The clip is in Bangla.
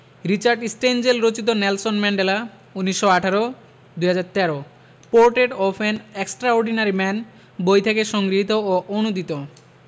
রিচার্ড স্টেনজেল রচিত Nelson Mandela ১৯১৮ ২০১৩ portrait of an extraordinary man বই থেকে সংগৃহীত ও অনূদিত